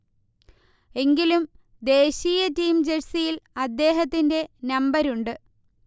എങ്കിലും, ദേശീയ ടീം ജഴ്സിയിൽ അദ്ദേഹത്തിന്റെ നമ്പരുണ്ട്